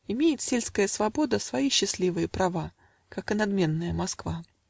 Имеет сельская свобода Свои счастливые права, Как и надменная Москва.